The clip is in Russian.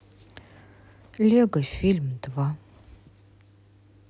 лего фильм два